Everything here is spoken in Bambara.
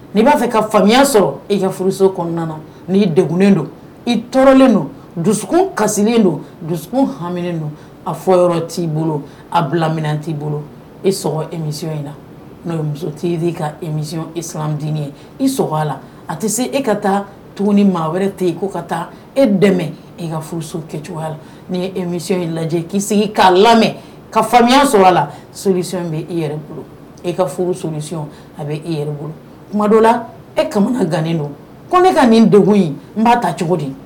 N'i b'a fɛ ka famuya sɔrɔ i ka furuso kɔnɔna ni degnen don i tɔɔrɔlen don dusukun kasi don dusu hami don a fɔ yɔrɔ t'i bolo a bila min t'i bolo e emi in na n'o muso ka emi ye i a la a tɛ se e ka taa tuguni ni maa wɛrɛ tɛ yen k' ka taa e dɛmɛ e ka furu so kɛ cogo la ni emi lajɛ k'i segin k'a lamɛn ka fa sɔrɔ a la sosɔn bɛ i yɛrɛ bolo e ka furu so a bɛ e yɛrɛ bolo kuma dɔ la e ka gannen don ko ne ka nin dogog in n'a ta cogo di